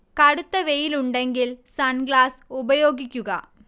കടുത്ത വെയിൽ ഉണ്ടെങ്കിൽ സൺ ഗ്ലാസ് ഉപയോഗിക്കുക